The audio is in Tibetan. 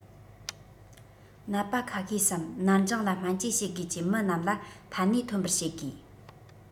ནད པ ཁ ཤས སམ ནར འགྱངས ལ སྨན བཅོས བྱེད དགོས ཀྱི མི རྣམས ལ ཕན ནུས ཐོན པར བྱེད དགོས